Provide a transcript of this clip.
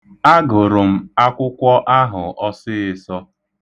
Agụrụ m akwụkwọ ahụ ọsịịsọ.